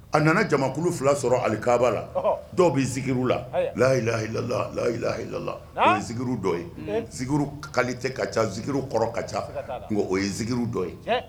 A nana jamakulu 2 sɔrɔ alikaaba la ɔhɔ dɔw be zikr la aya naam o ye zikr dɔ ye zikr qualité ka ca zikr kɔrɔ ka ca siga t'a la ŋo o ye zikr dɔ ye tiɲɛ